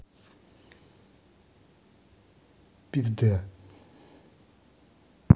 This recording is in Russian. пизда